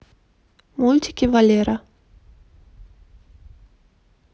мультики валера